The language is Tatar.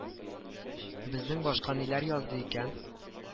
Безнең башка ниләр язды икән